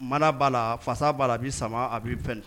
Mana ba la fasa ba la a bi sama a bi fɛn